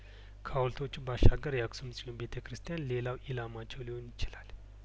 ከሀውልቶቹ ባሻገር የአክሱም ጽዮን ቤተ ክርስቲያን ሌላው ኢላማቸው ሊሆን ይችላል